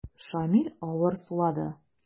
Шамил авыр сулады.